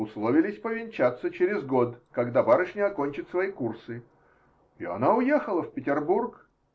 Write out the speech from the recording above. Условились повенчаться через год, когда барышня окончит свои курсы, и она уехала в Петербург.